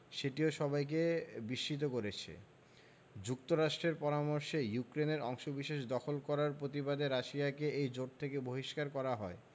সেটিও সবাইকে বিস্মিত করেছে যুক্তরাষ্ট্রের পরামর্শেই ইউক্রেনের অংশবিশেষ দখল করার প্রতিবাদে রাশিয়াকে এই জোট থেকে বহিষ্কার করা হয়